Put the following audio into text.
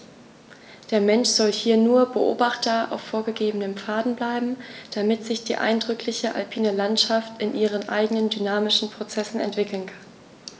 Der Mensch soll hier nur Beobachter auf vorgegebenen Pfaden bleiben, damit sich die eindrückliche alpine Landschaft in ihren eigenen dynamischen Prozessen entwickeln kann.